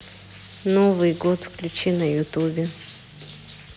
новый год включи на ютубе